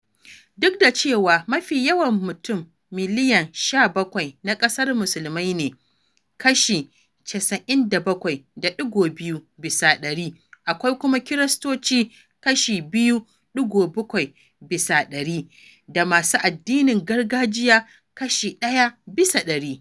Duk da cewa mafi yawan mutum miliyan 17 na ƙasar Musulmi ne(kashi 97.2 bisa ɗari), akwai kuma Kiristoci (kashi 2.7 bisa ɗari) da masu addinin gargajiya (kashi 1 bisa ɗari).